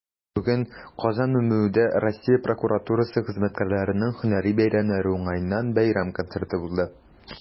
Бүген "Казан" ММҮдә Россия прокуратурасы хезмәткәрләренең һөнәри бәйрәмнәре уңаеннан бәйрәм концерты булды.